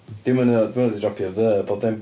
Dim yn y... maen nhw 'di dropio the a bob dim.